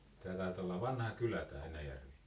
tämä taitaa olla vanha kylä tämä Enäjärvi